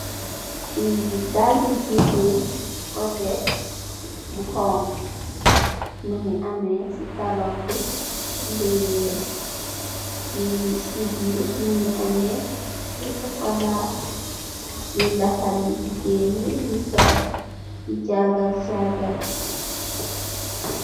Li dale jigeen koket buxongo mingi ami talon bu weex ci biir mingi ami lo sokola li la xaleh jigeen yi fi sol di jargaar jargaar.